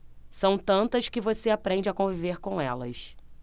são tantas que você aprende a conviver com elas